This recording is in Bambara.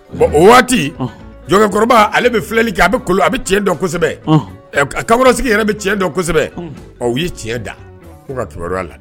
Bon o waati jɔnkɛkɔrɔba ale bɛ filɛli kɛ a bɛ a bɛ tiɲɛ dɔn kosɛbɛ, unhun, kankɔrɔsigi yɛrɛ bɛ tiɲɛ dɔn kosɛbɛ, ɔ u ye tiɲɛ da u ka kibaruya la